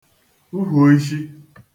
ukwùoishi